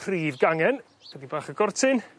prif gangen chydig bach y gortyn